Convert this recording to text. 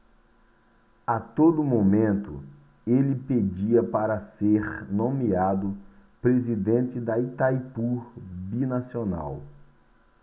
a todo momento ele pedia para ser nomeado presidente de itaipu binacional